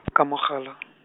ka mogala .